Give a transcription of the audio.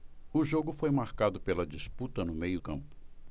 o jogo foi marcado pela disputa no meio campo